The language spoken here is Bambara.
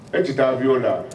E tɛ taa yoo la